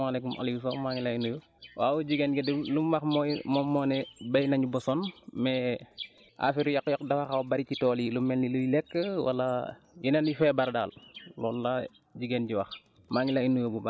waaw asalaamaaleykum Aliou Sow maa ngi lay nuyu waaw jigéen gi de lim wax mooy moom moo ne béy nañu ba sonn mais affaire yàqu-yàqu dafa xaw a bëri ci tool yi lu mel ni luy lekk wala yeneen i feebar daal loolu la jigéen ji wax